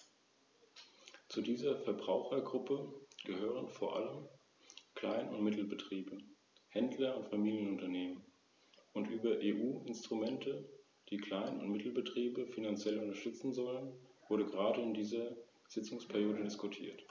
Es sollte nicht darum gehen, auf halbem Wege Änderungen an den Prioritäten und Politiken vorzunehmen, was zwangsläufig Verzögerungen und Nichtausschöpfung der Mittel zur Folge hat. Dies ist gerade im Hinblick auf die neuen Anforderungen an die Haushaltsdisziplin von Bedeutung.